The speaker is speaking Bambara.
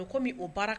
Komi o baara